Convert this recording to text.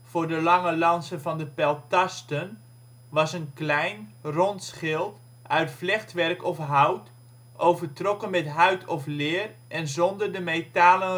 voor de lange lansen van de peltasten]) was een klein, rond schild uit vlechtwerk of hout (Xen., Anab. II 1.6.), overtrokken met huid of leer en zonder de metallen rand